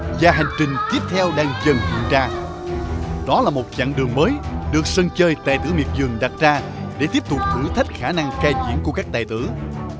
và hành trình tiếp theo đang dần diễn ra đó là một chặng đường mới được sân chơi tài tử miệt vườn đặt ra để tiếp tục thử thách khả năng ca diễn của các tài tử